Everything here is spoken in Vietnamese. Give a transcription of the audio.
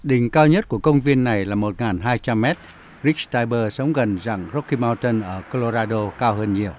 đỉnh cao nhất của công viên này là một ngàn hai trăm mét rích sờ tai bơ sống gần dàn rốc ki mao tân ở cờ lo ra đô cao hơn nhiều